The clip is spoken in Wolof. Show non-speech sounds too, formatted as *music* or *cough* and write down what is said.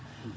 *hesitation*